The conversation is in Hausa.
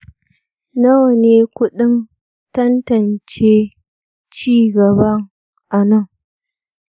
nawa ne kuɗin tantance ci gaban a nan?